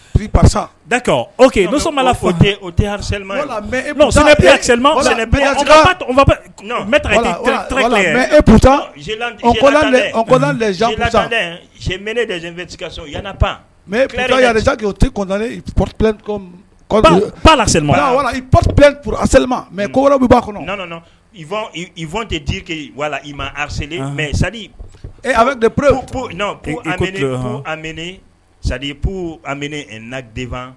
Psa da oke muso ma'a fɔ osd nezti mɛ olasslima mɛ kola'a kɔnɔ tɛ diki wala i ma rizle mɛ sadi sadi nadenfa